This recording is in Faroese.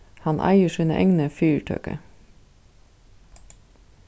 hann eigur sína egnu fyritøku